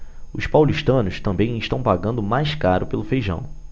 os paulistanos também estão pagando mais caro pelo feijão